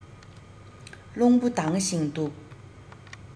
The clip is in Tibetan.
རླུང བུ ལྡང བཞིན འདུག